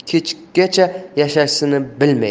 kim uning kechgacha yashashini bilmaydi